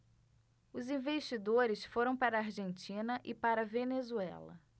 os investidores foram para a argentina e para a venezuela